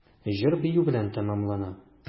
Җыр-бию белән тәмамлана.